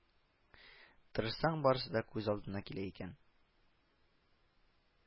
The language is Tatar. Тырышсаң, барысы да күз алдына килә икән